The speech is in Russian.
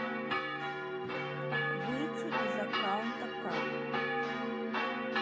выйти из аккаунта как